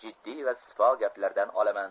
jiddiy va sipo gaplardan olaman